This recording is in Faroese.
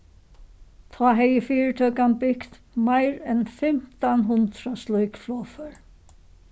tá hevði fyritøkan bygt meir enn fimtan hundrað slík flogfør